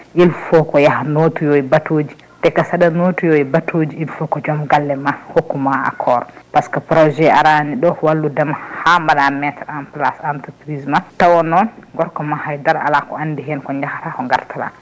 il faut ko yaaha notoyo batuji te kadi saɗa notoyo batuji il faut que joom galle ma accord par ce que projet araniɗo walludema ha mbaɗa mettre en place entreprise tawa noon gorko ma haydara ala ko andi hen ko jaahata ko gartata